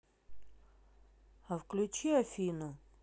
а включи афину